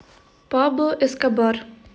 пабло эскобар